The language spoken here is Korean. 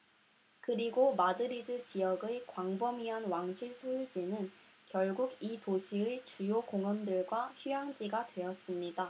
그리고 마드리드 지역의 광범위한 왕실 소유지는 결국 이 도시의 주요 공원들과 휴양지가 되었습니다